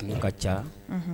Ka ca